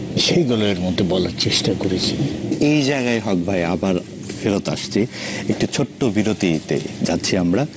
সেগুলো এর মধ্যে বলার চেষ্টা করেছি এই জায়গায় হক ভাই আবার ফেরত আসছি একটি ছোট বিরতিতে যাচ্ছি আমরা